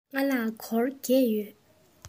ང ལ སྒོར བརྒྱད ཡོད